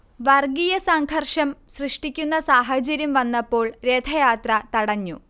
വർഗീയസംഘർഷം സൃഷ്ടിക്കുന്ന സാഹചര്യം വന്നപ്പോൾ രഥയാത്ര തടഞ്ഞു